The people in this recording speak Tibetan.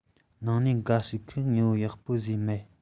ནང ནས འགའ ཞིག གིས དངོས པོ ཡག པོ བཟོས མེད